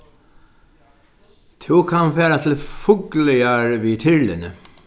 tú kann fara til fugloyar við tyrluni